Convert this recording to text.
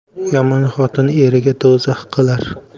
yomon xotin eriga do'zax qilar